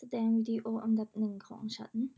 แสดงวิดีโออันดับหนึ่งของฉัน